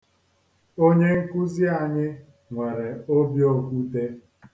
Onye nkuzi anyị nwere obi okwute.